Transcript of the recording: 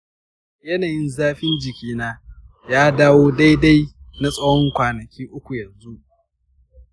yanayin zafin jikina ya dawo daidai na tsawon kwanaki uku yanzu.